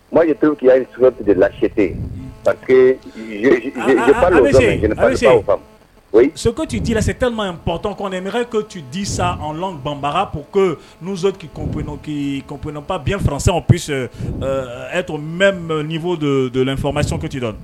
La pa sokɛkuti dila se tanma pant kotu disa banbaga ko kozsonkipyinapyinap biyanfasase eto mɛfɔ don donlenfa mackuti dɔn